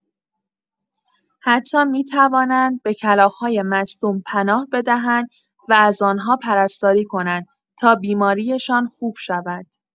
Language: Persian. حتی می‌توانند به کلاغ‌های مصدوم پناه بدهند و از آن‌ها پرستاری کنند تا بیماری‌شان خوب شود.